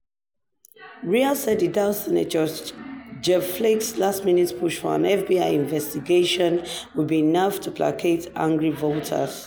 "Women are not going to forget what happened yesterday - they are not going to forget it tomorrow and not in November," Karine Jean-Pierre, a senior adviser and national spokeswoman for the progressive group MoveOn said on Friday, according to the Washington, D.C. newspaper.